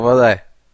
fo 'dde.